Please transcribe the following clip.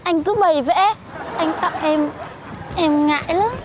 anh cứ bày vẽ anh tặng em em ngại lắm